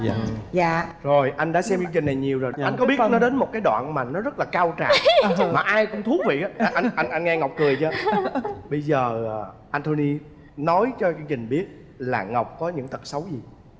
dạ rồi anh đã xem chương trình này nhiều rồi thì anh có biết nó đến một cái đoạn mà nó rất là cao trào mà ai cũng thú vị á anh anh anh nghe ngọc cười chưa bây giờ anh thô ny nói cho chương trình biết là ngọc có những tật xấu gì